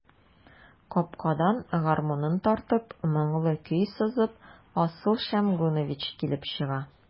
Капкадан, гармунын тартып, моңлы көй сызып, Асыл Шәмгунович килеп чыга.